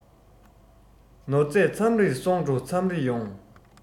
ནོར རྗས མཚམས རེ སོང འགྲོ མཚམས རེ ཡོང